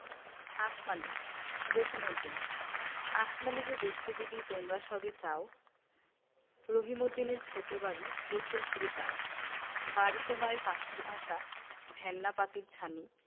আসমানী জসিমউদ্দিন আসমানীরে দেখতে যদি তোমরা সবে চাও রহিমউদ্দিনের ছোট্ট বাড়ি রসুলপুরে যাও বাড়িতো নয় পাখির বাসা ভেন্না পাতির ছানি